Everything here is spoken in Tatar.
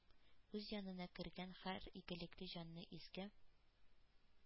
Үз янына кергән һәр игелекле җанны изге